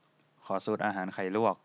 ขอสูตรอาหารไข่ลวก